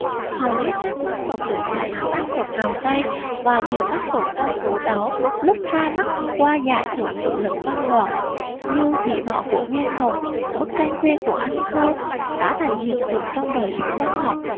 hầu hết các tác phẩm được giải là tác phẩm đầu tay và nhiều tác phẩm trong số đó lúc ra mắt qua giải thưởng tự lực văn đoàn như bỉ vỏ của nguyên hồng bức tranh quê của anh thơ đã thành hiện tượng trong đời sống văn học